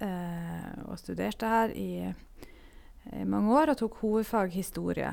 Og studerte her i i mange år og tok hovedfag historie.